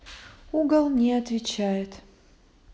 угол не отвечает